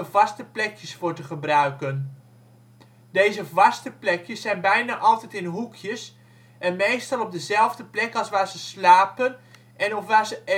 vaste plekjes voor te gebruiken. Deze vaste plekjes zijn bijna altijd in hoekjes en meestal op dezelfde plek als waar ze slapen en of waar ze eten. Het